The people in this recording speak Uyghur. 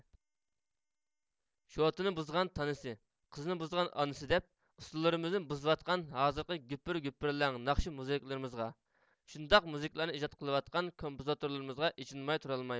شوتىنى بۇزغان تانىسى قىزنى بۇزغان ئانىسى دەپ ئۇسسۇللىرىمىزنى بۇزۇۋاتقان ھازىرقى گۈپۈر گۈپۈرلەڭ ناخشا مۇزىكىلىرىمىزغا شۇنداق مۇزىكىلارنى ئىجاد قىلىۋاتقان كومپىزوتۇرلىرىمىزغا ئېچىنماي تۇرالمايمەن